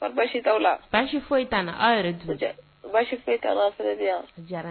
Kɔri baasi t'aw la, baasisi foyi t'an na, aw yɛrɛ dun baasi foyi t'an na an fana bɛ yan, o diya